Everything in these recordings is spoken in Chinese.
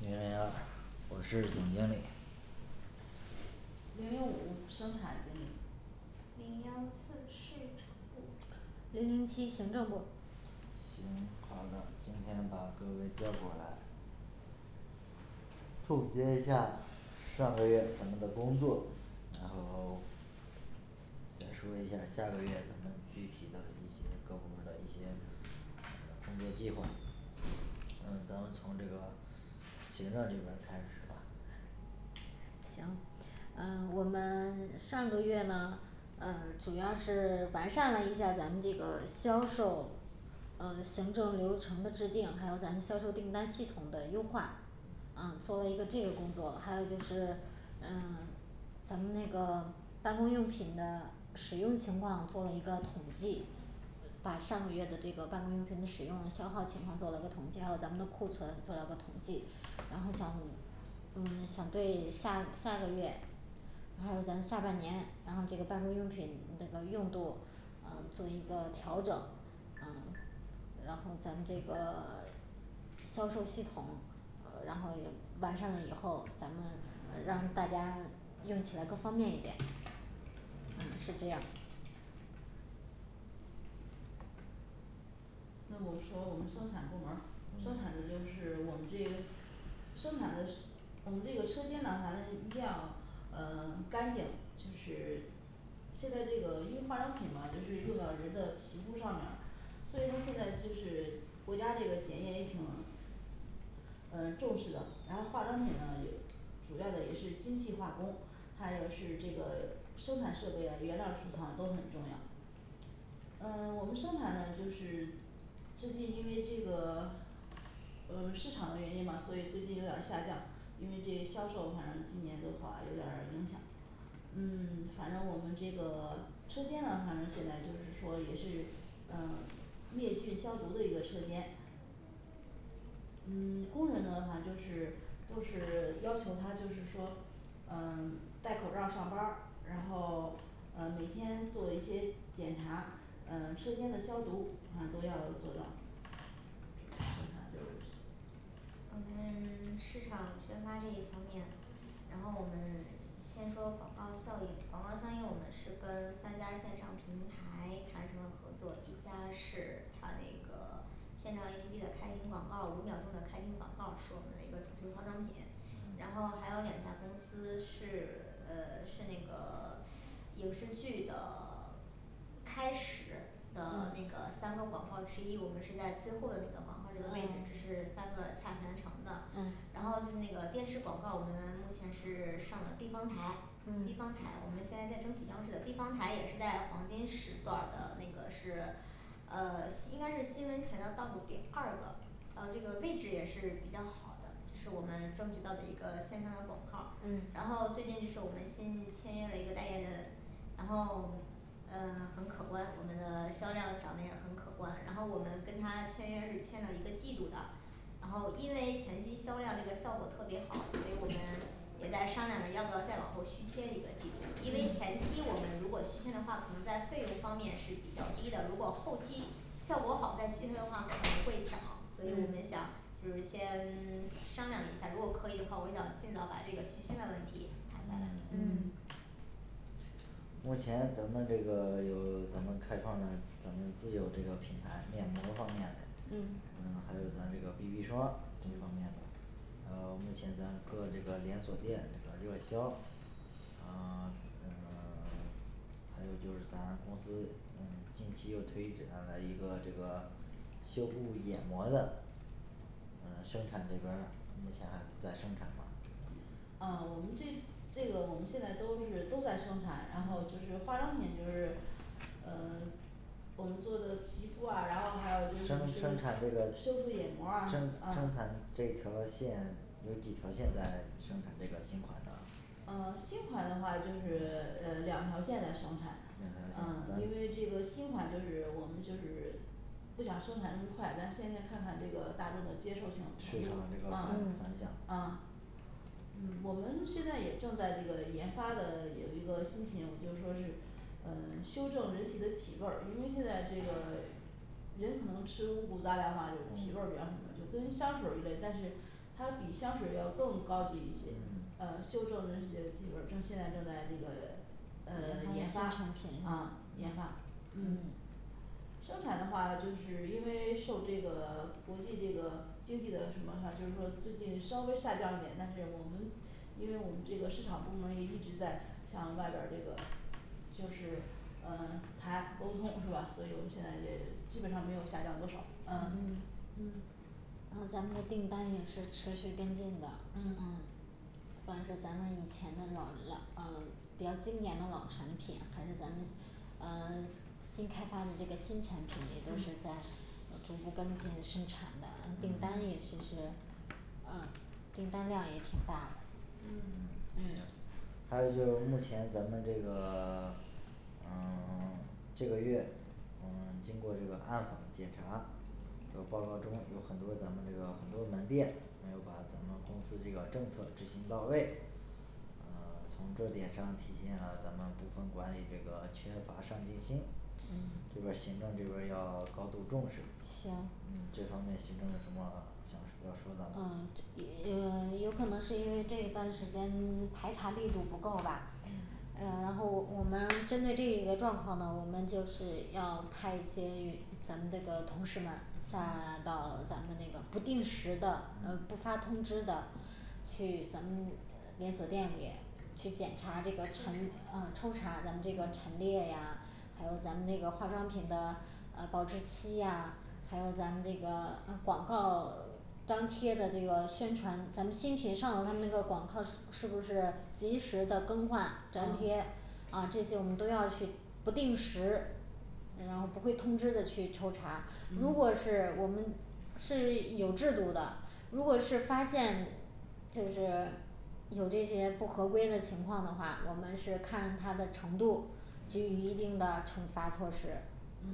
零零二我是总经理零零五生产经理零幺四市场部零零七行政部行好的今天把各位叫过来总结一下上个月咱们的工作然后 再说一下儿下个月咱们具体的一些各部门儿的一些这工作计划，嗯咱们从这个行政这边儿开始吧行呃我们 上个月呢呃主要是完善了一下咱们这个销售呃行政流程的制定，还有咱们销售订单系统的优化嗯做了一个这个工作还有就是嗯 咱们那个办公用品的使用情况做了一个统计把上个月的这个办公用品的使用消耗情况做了个统计，还有咱们的库存做了个统计，然后想怎么嗯想对下下个月还有咱下半年然后这个办公用品那个用度嗯做一个调整嗯然后咱这个 销售系统呃然后完善了以后，咱们让大家用起来更方便一点呃就这样那我说我们生产部门儿生产的就是我们这生产的是 我们这个车间呢反正一定要呃 干净就是现在这个因为化妆品嘛就是用到人的皮肤上面儿所以他现在就是国家这个检验也挺呃重视的然后化妆品呢也主要的也是精细化工还有是这个 生产设备啊，原料储藏都很重要呃我们生产呢就是最近因为这个 呃市场的原因吧，所以最近有点儿下降，因为这销售反正今年的话有点儿影响嗯 反正我们这个 车间的话呢现在就是说也是嗯灭菌消毒的一个车间嗯 工人的话就是都是要求他就是说呃 戴口罩儿上班儿，然后呃每天做一些检查，呃车间的消毒你看都要做到这个生产就是我们 市场宣发这一方面然后我们 先说广告效应，广告效应，我们是跟三家线上平台谈成了合作，一家是他那个线上A P P的开屏广告，五秒钟的开屏广告是我们的一个主推化妆品然后还有两家公司是呃是那个 影视剧的 开始 的那嗯个三个广告之一，我们是在最后的那个广告这个位嗯置，这是三个洽谈成的嗯。然后就是那个电视广告我们目前是上了地方台地嗯方台我们现在在争取央视的地方台也是在黄金时段儿的，那个是呃 应该是新闻前的倒数第二个呃这个位置也是比较好的这是我们争取到的一个线上的广告儿。嗯然后最近就是我们新签约了一个代言人然后呃很可观，我们的销量长得也很可观，然后我们跟他签约是签了一个季度的然后因为前期销量这个效果特别好，所以我们也在商量着要不要再往后续签一个季度，因为嗯前期我们如果续签的话，可能在费用方面是比较低的，如果后期效果好再续签的话可能会涨，所以我们嗯想就是先 商量一下，如果可以的话，我想尽早把这个续签的问题谈下来嗯嗯嗯目前咱们这个有咱们开创了咱们自有这个品牌面膜儿方面的嗯嗯还有咱这个B B霜这方对面的呃目前咱各这个连锁店很热销呃 呃 还有就是咱公司嗯近期又推起来了一个这个修复眼膜的呃生产这边儿目前还在生产吗啊我们这这个我们现在都是都在生产，然后就是化妆品就是呃 我们做的皮肤啊，然后还有就是生说生产这个修复眼膜儿啊什么生生的，啊产这条线有几条线在生产这个新款的呃新款的话就是呃两条线在生产，两条嗯线因为这个新款就是我们就是不想生产那么快，咱先先看看这个大众的接受性市程场度这个反嗯嗯反响嗯嗯我们现在也正在这个研发的有一个新品，我就说是呃修正人体的体味儿因为现在这个 人可能吃五谷杂粮吧有体嗯味儿比较什么？就跟香水儿一类但是它比香水儿要更高级一些，嗯呃修正人体的体味儿，正现在正在这个呃研研发发新产品，啊研发嗯生产的话就是因为受这个国际这个经济的什么话，就是说最近稍微下降一点，但是我们因为我们这个市场部门儿也一直在向外边儿这个就是呃谈沟通是吧所以我们现在也基本上没有下降多少嗯嗯嗯然后咱们的订单也是持续跟进的嗯嗯不管是咱们以前的老老呃比较经典的老产品，还是咱们呃 新开发的这个新产品，也都是嗯在逐步跟进生产的订单嗯也是是嗯订单量也挺大的嗯嗯行嗯行还有就目前咱们这个 嗯 这个月嗯经过这个暗访检查这个报告中有很多咱们这个很多门店没有把咱们公司这个政策执行到位呃从这点上体现了咱们部分管理这个缺乏上进心嗯这边儿行政这边儿要高度重视行嗯这方面行政有什么想什么说的呃吗这也有可能是因为这一段时间排查力度不够吧。嗯呃然后我们针对这一个状况呢，我们就是要派一些咱们这个同事们下嗯到咱们那个不定时的呃不发嗯通知的去咱们连锁店里去检抽查这个陈查嗯抽查咱们这个陈列呀还有咱们那个化妆品的呃保质期呀还有咱们这个啊广告 张贴的这个宣传，咱们新品上了他们那个广告是不是及时的更换粘嗯贴啊这些我们都要去不定时然后不会通知的去抽查，如嗯果是我们是有制度的如果是发现就是有这些不合规的情况的话，我们是看它的程度给予一定的惩罚措施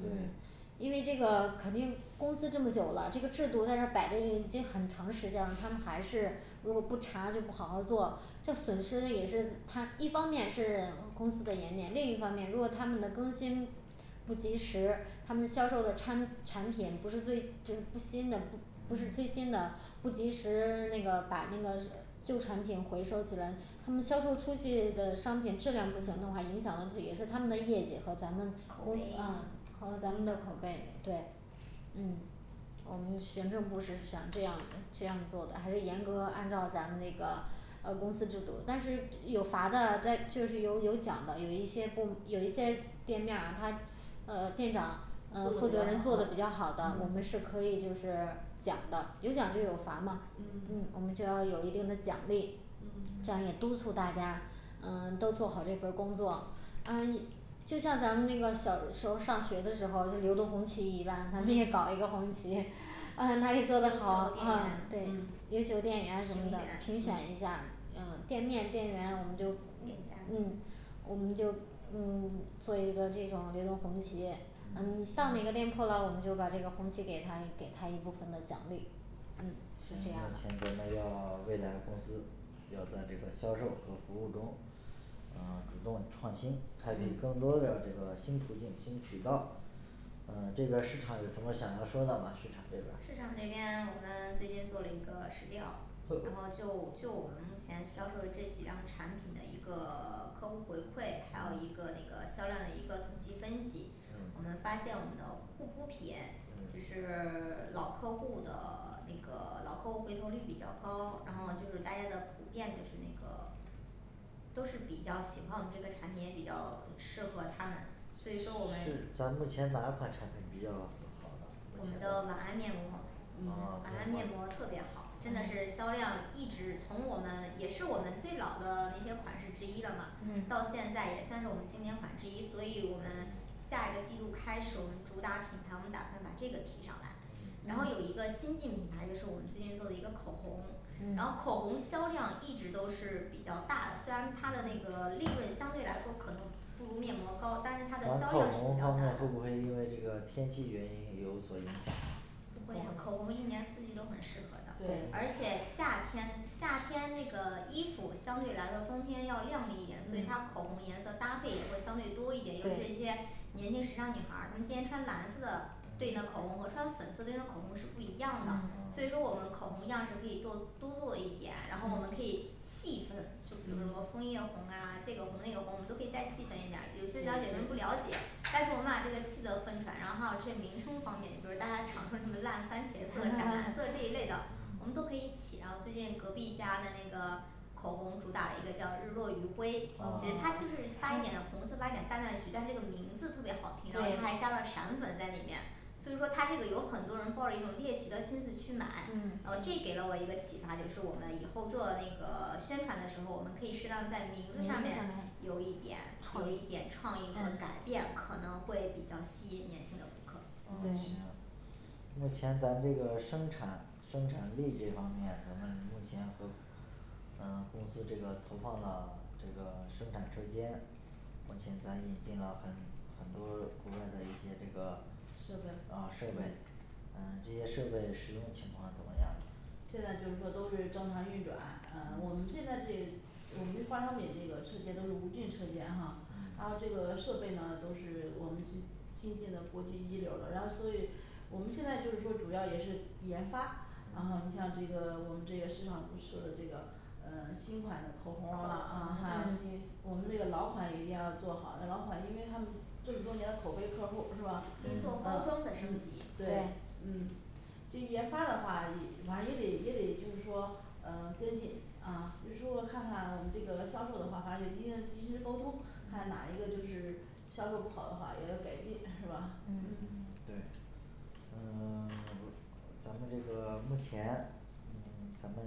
嗯对因为这个肯定公司这么久了，这个制度在这儿摆着已经很长时间了，他们还是如果不查就不好好儿做，这损失也是他一方面是公司的颜面，另一方面如果他们的更新不及时，他们销售的产产品不是最就是不新的不 不是嗯最新的，不及时那个把那个旧产品回收起来，他们销售出去的商品质量不行的话，影响的自也是他们的业绩和咱们口碑公，司影响啊和咱我们们的的口口碑碑，对嗯我们行政部是想这样的这样做的，还是严格按照咱们那个呃公司制度，但是有罚的再就是有有奖的有一些部有一些店面儿他呃店长呃负责他人做做的的比比较较好好的呃，我们嗯是可以就是奖的，有奖就有罚嘛，嗯我们就要有一定的奖励，这样也督促大家嗯都做好这份儿工作嗯以就像咱们那个小时候上学的时候，流动红旗一般咱们也搞一个红旗，嗯哪优秀店里做的好，啊对员对优秀店员什么的评选评选一下，嗯嗯店面店员我们就店家嗯我们就嗯做一个这种流动红旗嗯嗯行到哪个店铺了我们就把这个红旗给他给他一部分的奖励嗯是行目这样的前咱们要 未来公司要在这个销售和服务中嗯主动创新，开辟更嗯多的这个新途径新渠道呃这个市场有什么想要说的吗？市场这边儿市场这边我们最近做了一个实调呃然后就就我们目前销售的这几样产品的一个 客户回馈，还有一个那个销量的一个统计分析我们嗯发现我们的护肤品就嗯是 老客户的 那个老客户回头率比较高，然后就是大家的普遍就是那个都是比较喜欢我们这个产品，也比较适合他们所以说我们是咱目前哪款产品比较好呢？我目们前的晚安面膜儿晚呃安面膜儿特别好，真的是销量一直从我们也是我们最老的那些款式之一了嘛嗯到现在也算是我们经典款之一，所以我们下一个季度开始，我们主打品牌我们打算把这个提上来然后有一个新进品牌，就是我们最近做的一个口红嗯然后口红销量一直都是比较大的，虽然它的那个利润相对来说可能不如面膜高，但咱是们它的销口量是红比较方大面的，会不会因为这个天气原因有所影响呢不会呀口红一年四季都很适合的对，而且夏天夏天那个衣服相对来说冬天要亮丽一点，所以它口红颜色搭配也会相对多一点，尤其是一对些年轻时尚女孩儿，她们今天穿蓝色的对应的口红和穿粉色对应的口红是不一样的嗯，啊所以说我们口红样式可以多多做一点，然后我们可以细分，就比如说什么枫嗯叶红啊这个红那个红我们都可以再细分一点儿，有些人了解对有些人不对了解，但是我们把这个细则分出来，然后还有这些名称方面，比如大家常说什么烂番茄色斩男色这一 类的，我们都可以一起，然后最近隔壁家的那个口红主打了一个叫日落余晖，其实哦哦它就是发一点的红色发一点淡淡橘但是这个名字特别好听，然后对它还加了闪粉在里面所以说它这个有很多人抱着一种猎奇的心思去买，嗯然后这给了我一个启发，就是我们以后做那个宣传的时候，我们可以适当在名名字字上上面面有一点有创一意点创意和嗯改变，可能会比较吸引年轻的顾客嗯行嗯目前咱们这个生产生产力这方面，咱们目前会呃公司这个投放到这个生产车间目前咱引进了很很多国外的一些这个设备啊设备嗯嗯这些设备使用情况怎么样呢现在就是说都是正常运转，呃我们现在这我们这化妆品这个车间都是无菌车间哈，嗯然后这个设备呢都是我们新新进的国际一流儿的，然后所以我们现在就是说主要也是研发，然后你像这个我们这个市场部说的这个呃新款的口红啊，口啊红还有新我们这个老款也一定要做好啊，老款，因为它们这么多年的口碑客户儿是吧？啊可以做包装的升嗯级对嗯至于研发的话一反正也得也得就是说呃跟进啊就是说看看我们这个销售的话，反正也一定及时沟通，看哪一个就是销售不好的话也要有改进是吧？嗯嗯对呃 咱们这个目前嗯反正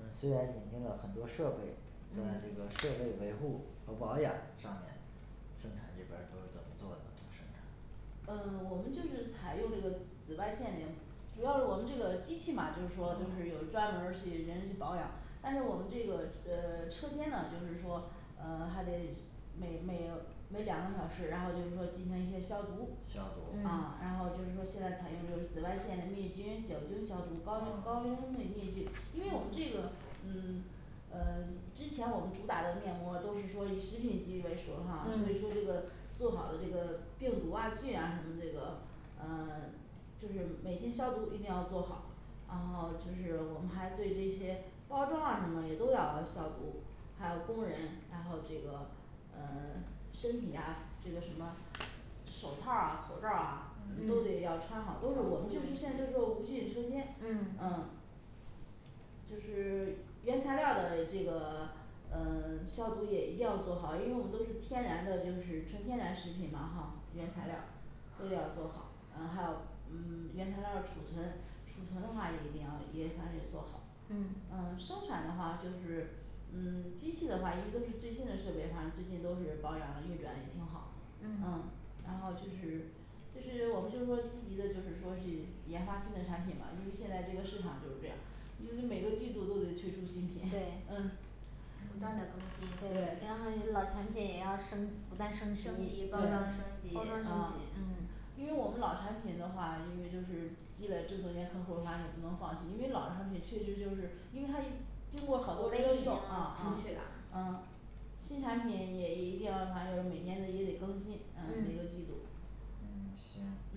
嗯虽然你那个很多设备在这个设备维护和保养上面生产这边儿都是怎么做的生产呃我们就是采用这个紫外线连主要是我们这个机器嘛就是说就是啊有专门儿去人去保养，但是我们这个呃车间呢就是说呃还得每每每两个小时，然后就是说进行一些消毒，消毒嗯啊然后就是说现在采用就是紫外线的灭菌，酒精消毒高高温的灭菌，因为我们这个嗯呃之前我们主打的面膜都是说以食品基为属哈，所以说这个做好的这个病毒啊菌啊什么这个嗯 嗯就是每天消毒一定要做好然后就是我们还对这些包装啊什么也都要消毒还有工人，然后这个呃 身体呀这个什么手套儿啊口罩儿啊嗯都得要穿好，都是我们就是现在就是说无菌车间嗯嗯就是原材料儿的这个呃消毒也一定要做好啊，因为我们都是天然的就是纯天然食品嘛哈原材料儿都要做好，然后还有嗯 原材料儿储存储存的话也一定要也反正也做好嗯嗯生产的话就是嗯机器的话因为都是最新的设备，反正最近都是保养的运转也挺好，嗯嗯然后就是就是我们就是说积极的就是说是研发新的产品嘛，因为现在这个市场就是这样儿因为每个季度都得推出新品对嗯不断的更新对然后老产品也要升不断升升级级升对级包装升级啊嗯因为我们老产品的话，因为就是积累这么多年客户儿反正也不能放弃，因为老产品确实就是因为它一经过口好多碑人在已经用啊出去啊啦啊新产品也也一定要的话就是每年的也得更新嗯嗯每个季度嗯行目前咱这个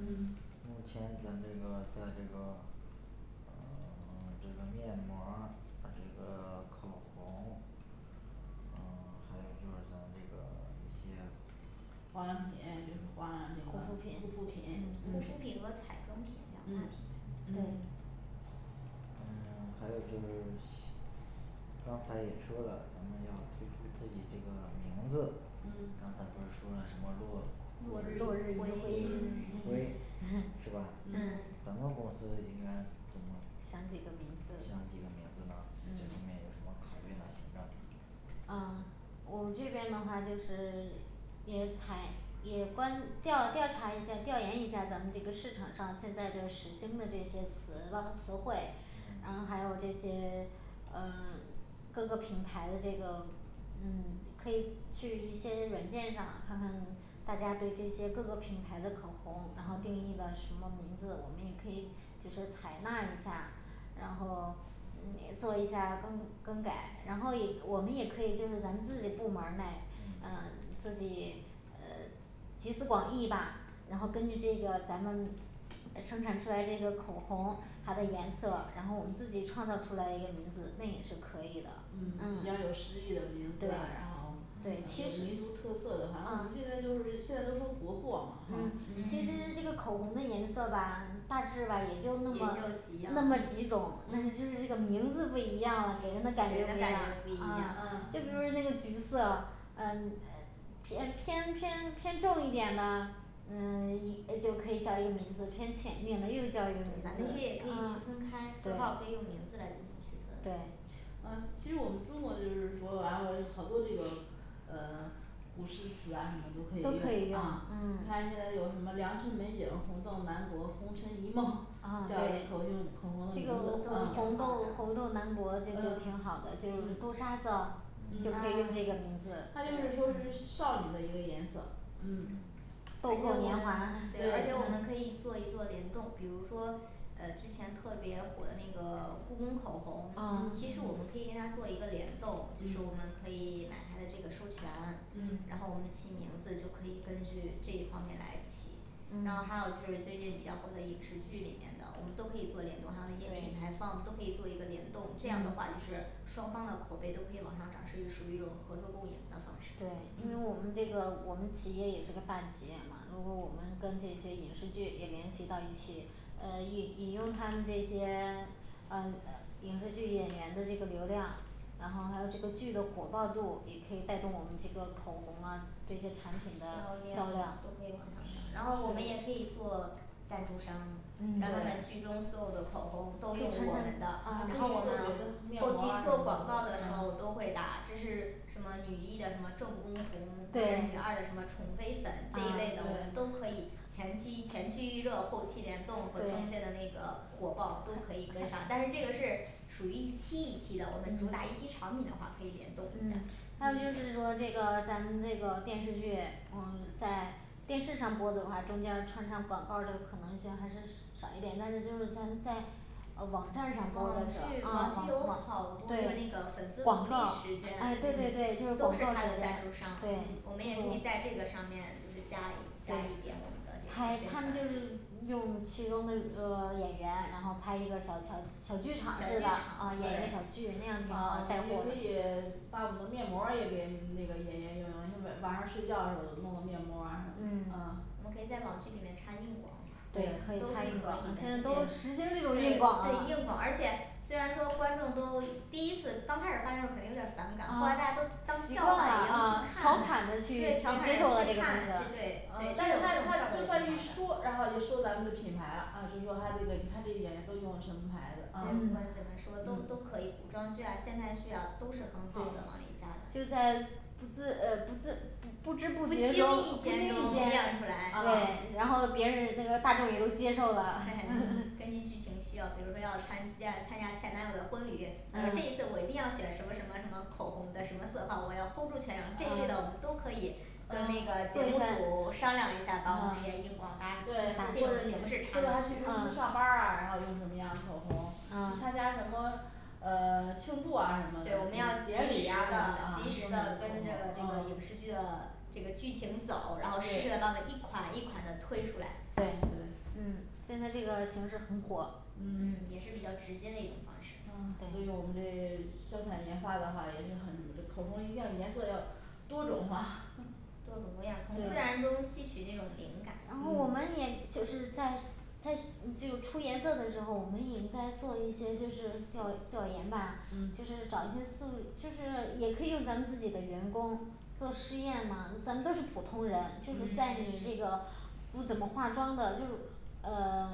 在这个目前咱这个在这个呃 这个面膜儿啊这个口红嗯 还有就是咱们这个 一些化妆品就是化那个护护肤品肤品嗯护护嗯肤肤品品和彩妆品两大品牌嗯嗯对嗯 还有就是刚才也说了，咱们要推出自己这个名字嗯刚才不是说了什么落落落日日余余晖落晖日嗯余晖是吧？嗯嗯咱们公司应该怎么想几个名字想几个名字呢这嗯方面有什么考虑呢行政啊我这边的话就是 也采也观调调查一下，调研一下咱们这个市场上现在正时兴的这些词，包括词汇，嗯然后还有这些 嗯 各个品牌的这个嗯可以去一些软件上看看大家对这些各个品牌的口红，然后定义的什么名字，我们也可以就是采纳一下然后嗯也做一下更更改，然后也我们也可以就是咱们自己部门儿内嗯嗯自己呃集思广益吧，然后根据这个咱们生产出来这个口红它的颜色，然后我们自己创造出来一个名字那也是可以的嗯嗯比较有诗意的名字对啊，然后对呃其实有民族特色的，啊反正我们现在就是现在都说国货嗯嘛其实这个口红的颜色吧大致吧也也就就那么几样那么几种，但是嗯就是这个名字不一样了，给人的给人的感感觉觉不不一一样啊就嗯比如说样那个橘色呃嗯，偏偏偏偏重一点的嗯呃就可以叫一个名字偏浅一点的又叫一个名对把字那些也可以，啊区分开，色号儿可以对用名字来进行区分对呃其实我们中国就是说然后好多这个呃古诗词啊什么都都可可以以用用啊，嗯你看现在有什么良辰美景，红豆南国红尘一梦啊，叫这对口胸口红的这名个字红啊红挺豆好的红豆南国这个就挺嗯好的，就是豆嗯沙色就嗯可以用嗯这个名字嗯对她就是说是少女的一个颜色嗯而豆且我蔻年华们对而且对我们可以做一做联动，比如说呃之前特别火的那个故宫口红，其啊实我们可以跟它做一个联动，就是嗯我们可以买它的这个授权，嗯然后我们起名字就可以根据这一方面来起然后嗯还有就是最近比较火的影视剧里面的我们都可以做联动，还有那些品对牌方我们都可以做一个联动，这样的嗯话就是双方的口碑都可以往上涨，是于属于一种合作共赢的方式。对，因为我嗯们这个我们企业也是个大企业嘛，如果我们跟这些影视剧也联系到一起呃引引用他们这些 呃呃影视剧演员的这个流量然后还有这个剧的火爆度，也可以带动我们这个口红啊这些产品的销销量量都可以往是上涨，然后是我们也可我以做赞助商啊，让他们对剧中所有的口红都用我们的还可以做别的，然后我们呢面后膜儿期做广告啊的什时候么的都都啊会打这是什么女一的什么正宫红或者女对二的什么宠妃粉啊这一类的，我对们都可以前期前期预热后期联动和中对间的那个火爆都可以跟上，但是这个是属于一期一期的我们嗯主打一期产品的话可以联动一下嗯还有就是说那就是说这个咱们这个电视剧我在电视上播的话，中间儿穿插广告儿这个可能性还是是 少一点，但是就是咱们在呃网站网剧网上播的时候啊剧有网网好多对就那个粉丝福利广告儿时间哎对对对就是都广是告它儿的时赞助商间我们也可以在这个上面就是加一加一点对我们的这个拍宣他们就是传用其中的呃演员，然后拍一个小小小剧场小似剧的场啊演一个小剧啊也那样挺好，带货可以嗯把我们的面膜儿也给那个演员用用，因为晚上睡觉的时候弄个面膜儿啊什么的，嗯嗯我们可以在网剧里面插硬广都可对对可以以可插硬以广啊现在的都时兴这对种对硬硬广广了而且虽然说观众都第一次刚开始发现的时候肯定有点儿反感后来大啊家都当习笑惯了话一啊样调去看侃着去对调侃接受了着这去个东看对西呃但是他他就算一说然后就说咱们的品牌了啊就说他这个你看这个演员都用的什么牌子对不嗯管怎么说都都可以，古装剧啊现代剧啊都是很好的往对里加的就在不自呃不自不不知不不经意觉间中中不经意间亮出来对然后别人那个大众也都接受了 嗯根据剧情需要比如说要参加参加前男友的婚礼这一嗯次我一定要选什么什么什么口红的什么色号我要hold住全场这一啊类的我们都可以呃那嗯个节做一目下组商量一下，把我们这些嗯硬广打里对或填者是满或者形式插他去进去公司上班儿啊然后用什么样的口红去啊参加什么呃庆祝啊什么的对我们要及典礼时啊什么的及的时啊的用跟什这么个这口个红影嗯视剧的这个剧情走然后对涉到的一款一款的推出来对对嗯现在这个形势很火，也是比较直接的一种方式嗯也是比较直接的一种方式嗯所以我们这生产研发的话也是很什么，这口红一定要颜色要多种化多种多样，从自然对中吸取那种灵感然后我嗯们也就是在在这个出颜色的时候，我们也应该做一些就是调调研吧，嗯就是找一些素就是也可以用咱们自己的员工做实验嘛，咱们都是普通人，就是嗯嗯在你 这个不怎么化妆的就呃